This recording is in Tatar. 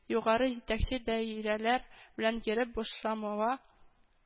Югары җитәкче даирәләр белән йөреп бушамава